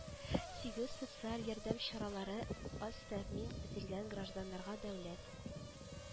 Сигез социаль ярдәм чаралары, аз тәэмин ителгән гражданнарга дәүләт